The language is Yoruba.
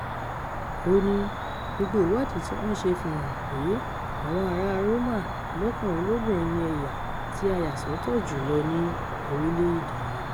Ó ní; gbogbo ìwádìí tí wọ́n ṣe fi hàn pé àwọn ará Roma lọ́kùnrin lóbìnrin ni ẹ̀yà tí a yà sọ́tọ̀ jù lọ ní orílẹ̀-èdèe wa.